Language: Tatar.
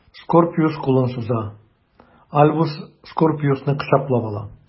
Скорпиус кулын суза, Альбус Скорпиусны кочаклап ала.